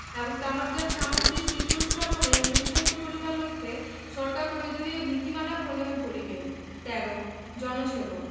এবং তামাকজাত সামগ্রীর শিল্প স্থাপনে নিরুৎসাহিত করিবার লক্ষ্যে সরকার প্রয়োজনীয় নীতিমালা প্রণয়ন করিবে ১৩ জনসেবক